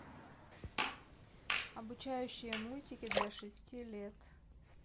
обучающие мультики для шести лет